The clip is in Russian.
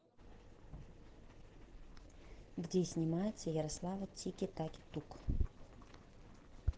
где снимается ярослава тики таки тук